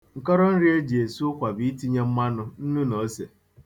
Nkọrọnri e ji esi ụkwa bụ itinye mmanụ, nnụ na ose.